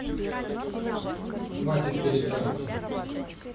хватит передраться